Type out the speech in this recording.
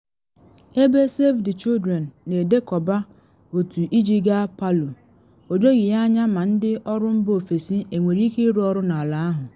Ebe Save the Children na edekọba otu iji gaa Palu, o doghi ya anya ma ndị ọrụ mba ofesi enwere ike ịrụ ọrụ n’ala ahụ.